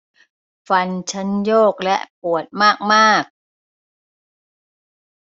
ฟันฉันโยกและปวดมากมาก